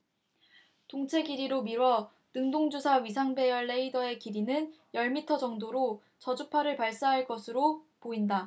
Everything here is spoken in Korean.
동체 길이로 미뤄 능동주사 위상 배열 레이더의 길이는 열 미터 정도로 저주파 를 발사할 것으로 보인다